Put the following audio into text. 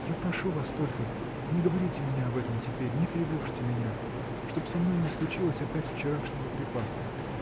— Я прошу вас только не говорить мне об этом теперь, не тревожить меня — чтоб со мной не случилось опять вчерашнего припадка!.